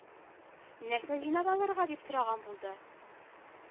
-нәрсә җыйнап алырга? - дип сораган булды.